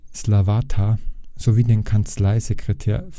Slavata sowie den Kanzleisekretär